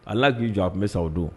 Ala k'i jɔ tun bɛ sa o don